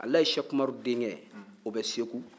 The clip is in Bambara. alahaji siɛkumaru denkɛ o bɛ segu